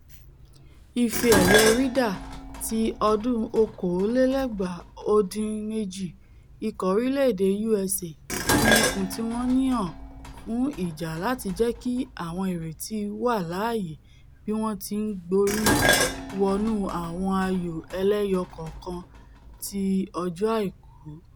Ife-ẹ̀yẹ Ryder tí ọdún 2018 Ikọ̀ orílẹ̀-èdè USA fi ikùn tíwọ́n ní hàn fún ìjà láti jẹ́kí àwọn ìrètí wà láàyè bí wọ́n ti ńgbórí wọnú àwọn ayò ẹlẹ́yọ-kọ̀ọ̀kan ti ọjọ́ Àìkú